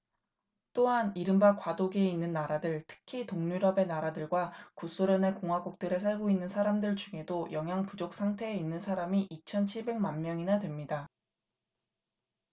또한 이른바 과도기에 있는 나라들 특히 동유럽의 나라들과 구소련의 공화국들에 살고 있는 사람들 중에도 영양 부족 상태에 있는 사람이 이천 칠백 만 명이나 됩니다